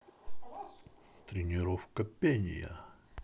тренировка пения